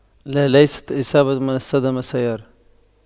لا ليست اصابة من الصدمة سيارة